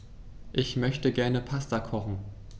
Ich möchte gerne Pasta kochen.